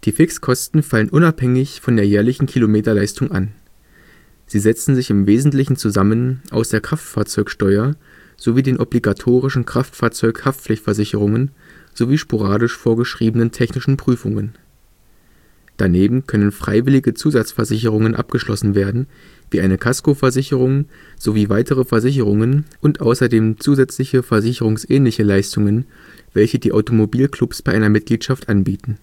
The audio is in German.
Fixkosten fallen unabhängig von der jährlichen Kilometerleistung an. Sie setzen sich im Wesentlichen zusammen aus der Kraftfahrzeugsteuer sowie den obligatorischen Kraftfahrzeug-Haftpflichtversicherungen sowie sporadisch vorgeschriebenen Technischen Prüfungen. Daneben können freiwillige Zusatzversicherungen abgeschlossen werden wie eine Kaskoversicherung sowie weitere Versicherungen sowie zusätzliche versicherungsähnliche Leistungen, welche die Automobilclubs bei einer Mitgliedschaft anbieten